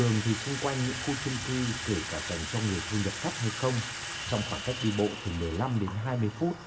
thường thì xung quanh những khu chung cư kể cả dành cho người thu nhập thấp hay không trong khoảng cách đi bộ từ mười lăm đến hai mươi phút